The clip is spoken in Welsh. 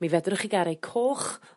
mi fedrwch chi ga' rei coch